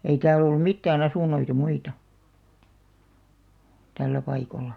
ei täällä ollut mitään asuntoja muita tällä paikalla